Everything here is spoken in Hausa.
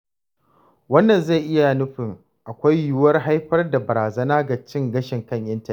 Wannan zai iya nufin akwai yuwuwar haifar da barazana ga cin gashin kan intanet.